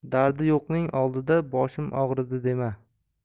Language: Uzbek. dardi yo'qning oldida boshim og'ridi dema